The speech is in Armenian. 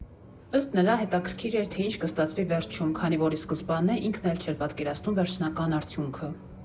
Ըստ նրա՝ հետաքրքիր էր, թե ինչ կստացվի վերջում, քանի որ ի սկզբանե ինքն էլ չէր պատկերացնում վերջնական արդյունքը։